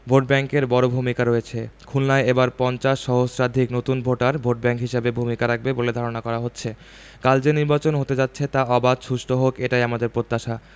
ভোটব্যাংকের বড় ভূমিকা রয়েছে খুলনায় এবার ৫০ সহস্রাধিক নতুন ভোটার ভোটব্যাংক হিসেবে ভূমিকা রাখবে বলে ধারণা করা হচ্ছে কাল যে নির্বাচন হতে যাচ্ছে তা অবাধ সুষ্ঠু হোক এটাই আমাদের প্রত্যাশা